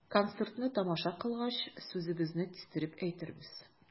Концертны тамаша кылгач, сүзебезне кистереп әйтербез.